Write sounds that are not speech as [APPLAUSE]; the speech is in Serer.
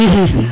[HESITATION] [HESITATION]